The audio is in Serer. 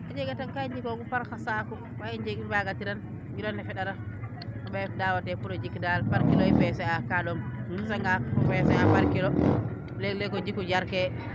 a jega tang kaa i njikoogu par xa saaku ndaa i baaga tiran a fendara o ɓayon=f ka waaga te pour o jik daal par kilo i peser a kaa ɗom o xesa nga peser a par kilo leeg leeg o jiku jar kee